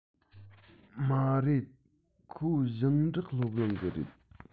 མ རེད ཁོ ཞིང འབྲོག སློབ གླིང གི རེད